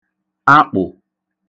akpụ̀